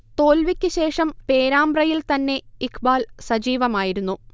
തോൽവിക്ക് ശേഷം പേരാമ്പ്രയിൽ തന്നെ ഇഖ്ബാൽ സജീവമായിരുന്നു